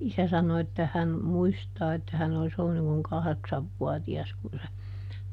isä sanoi että hän muistaa että hän olisi ollut niin kuin kahdeksanvuotias kun se